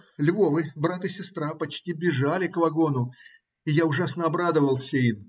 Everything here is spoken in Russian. Львовы, брат и сестра, почти бежали к вагону, и я ужасно обрадовался им.